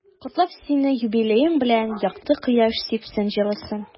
Котлап сине юбилеең белән, якты кояш сипсен җылысын.